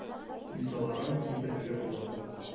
Мисалларын китерергә була.